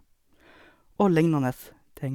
Og lignende ting.